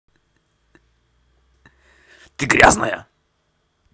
ты грязная